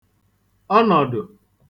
ọnọ̀dụ̀